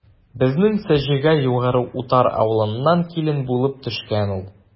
Безнең Сеҗегә Югары Утар авылыннан килен булып төшкән ул.